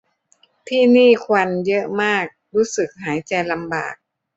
ที่นี่ควันเยอะมากรู้สึกหายใจลำบาก